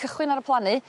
cychwyn ar y plannu